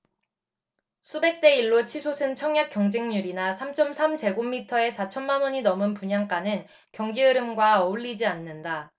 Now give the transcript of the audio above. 수백 대 일 로 치솟은 청약 경쟁률이나 삼 쩜 삼 제곱미터에 사천 만원이 넘은 분양가는 경기흐름과 어울리지 않는다